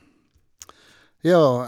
Ja.